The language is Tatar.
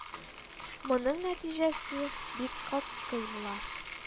Моның нәтиҗәсе бик катгый була